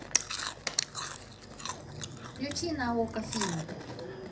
включи на окко фильм